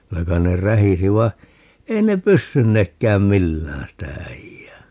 kyllä kai ne rähisi vaan ei ne pystyneetkään millään sitä äijää